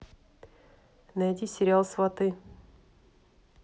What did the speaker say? найди сериал сваты